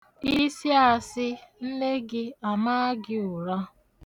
Ị sị asị, nne gị ama gị ụra.